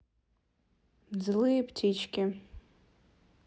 злые птички